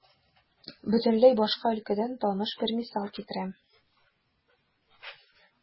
Бөтенләй башка өлкәдән таныш бер мисал китерәм.